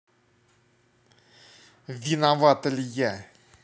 виновата ли я